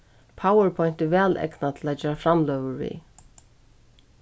powerpoint er væl egnað til at gera framløgur við